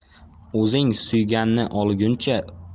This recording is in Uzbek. o'zing suyganni olguncha